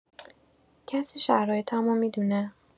کسی شرایطمو می‌دونه؟